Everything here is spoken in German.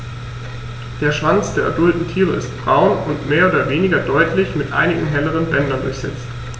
Der Schwanz der adulten Tiere ist braun und mehr oder weniger deutlich mit einigen helleren Bändern durchsetzt.